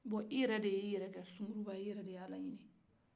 wa i yɛrɛ de ye i yɛrɛ kɛ sunkuruba ye wa i yɛrɛ de ye a laɲini